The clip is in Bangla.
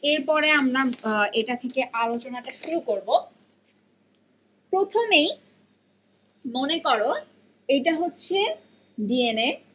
এরপরে আমরা এটা থেকে আলোচনা টা শুরু করব প্রথমেই মনে করো এটা হচ্ছে ডি এন এ